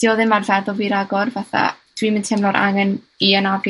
'di o ddim ar feddwl fi ragor fatha dwi'm yn teimlo'r angen i anafu